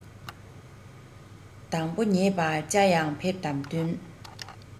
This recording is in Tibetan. དང པོ ཉེས པ བཅའ ཡང ཕེབས དང བསྟུན